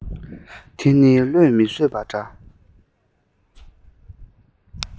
དེ ནི བློས མི བཟོད པ འདྲ